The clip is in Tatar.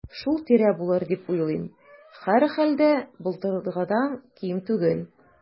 Шул тирә булыр дип уйлыйм, һәрхәлдә, былтыргыдан ким түгел.